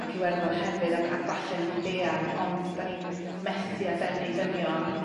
ac Iwerddon hefyd ag ag 'falle'n fyd-eang ond 'dan ni'n methu a denu dynion